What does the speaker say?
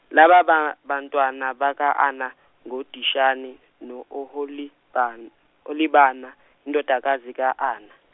laba ba- bantwana baka Ana, ngoDishani no Oholibhan-, Olibana indodakazi ka Ana.